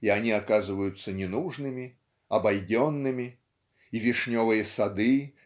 и они оказываются ненужными обойденными и вишневые сады